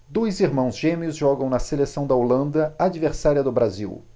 dois irmãos gêmeos jogam na seleção da holanda adversária do brasil